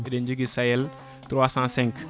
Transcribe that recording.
eɗen joogui Sayel305